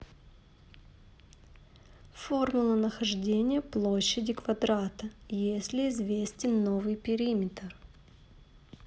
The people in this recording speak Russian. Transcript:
формула нахождения площади квадрата если известен новый периметр